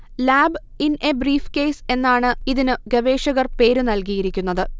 lab in a briefcase എന്നാണു ഇതിനു ഗവേഷകർ പേര് നല്കിയിരിക്കുന്നത്